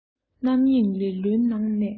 རྣམ གཡེང ལེ ལོའི ནང ནས